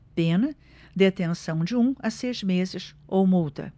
pena detenção de um a seis meses ou multa